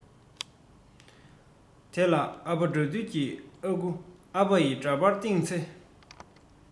དེ ན ཨ ཕ དགྲ འདུལ གྱི ཨ ཁུ ཨ ཕ ཡི འདྲ པར སྟེང ཚེ